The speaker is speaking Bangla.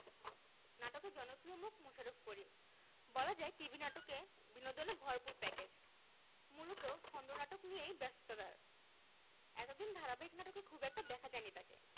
নাটকের জনপ্রিয় মুখ মোশাররফ করিম বলা যায় টিভি নাটকে বিনোদনে ভরপুর প্যাকেজ মূলত খণ্ডনাটক নিয়েই ব্যস্ততা তার এতদিন ধারাবাহিক নাটকে খুব একটা দেখা যায়নি তাকে